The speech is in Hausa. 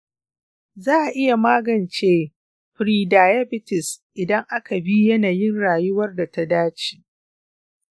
za a iya magance prediabetes idan aka bi yanayin rayuwar da ta dace.